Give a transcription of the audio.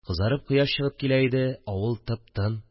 Кызарып кояш чыгып килә иде – авыл тып-тын